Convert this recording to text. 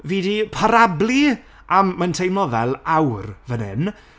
Fi di parablu am, mae'n teimlo fel awr fan hyn.